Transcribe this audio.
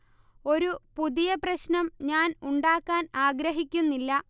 ഒരു പുതിയ പ്രശ്നം ഞാൻ ഉണ്ടാക്കാൻ ആഗ്രഹിക്കുന്നില്ല